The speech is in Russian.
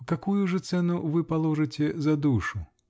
Какую же цену вы положите за душу?